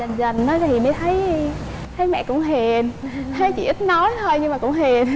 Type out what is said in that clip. dần dần nó thì mới thấy thấy mẹ cũng hiền thấy chỉ ít nói thôi nhưng mà cũng hiền